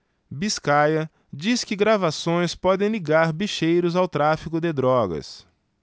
biscaia diz que gravações podem ligar bicheiros ao tráfico de drogas